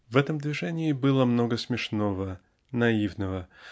В этом движении было много смешного наивного